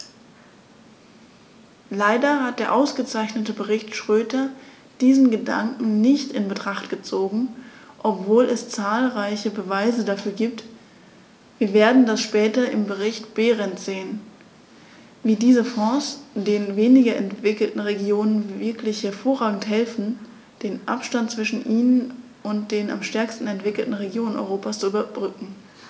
Leider hat der ausgezeichnete Bericht Schroedter diesen Gedanken nicht in Betracht gezogen, obwohl es zahlreiche Beweise dafür gibt - wir werden das später im Bericht Berend sehen -, wie diese Fonds den weniger entwickelten Regionen wirklich hervorragend helfen, den Abstand zwischen ihnen und den am stärksten entwickelten Regionen Europas zu überbrücken.